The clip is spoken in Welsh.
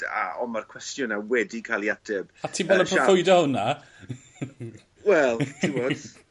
yy a on' ma'r cwestwn 'na wedi ca'l 'i ateb... A ti'n bolon proffwydo 'wnna? Wel t'wod.